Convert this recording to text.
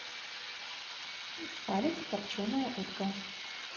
сталик копченая утка